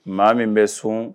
Maa min bɛ sun